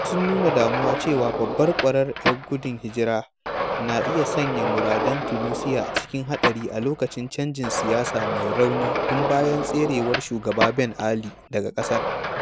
Wasu, sun nuna damuwa cewa babbar kwararar ‘yan gudun hijira na iya sanya muradun Tunisiya cikin haɗari a lokacin canjin siyasa mai rauni tun bayan tserewar Shugaba Ben Ali daga ƙasar.